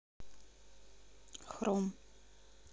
хром